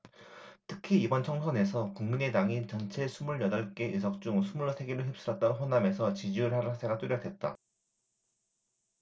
특히 이번 총선에서 국민의당이 전체 스물 여덟 개 의석 중 스물 세 개를 휩쓸었던 호남에서 지지율 하락세가 뚜렷했다